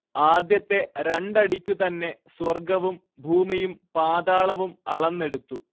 ആദ്യത്തെ രണ്ടടിക്കു തന്നെ സ്വർഗ്ഗവും ഭൂമിയും പാതാളവും അളന്നെടുത്തു